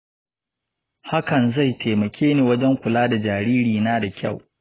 hakan zai taimake ni wajen kula da jaririna da kyau.